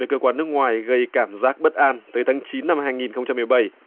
về cơ quan nước ngoài gây cảm giác bất an từ tháng chín năm hai nghìn không trăm mười bảy